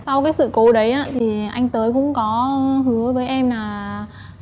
sau cái sự cố đấy á thì anh tới cũng có hứa với em là